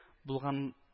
Булган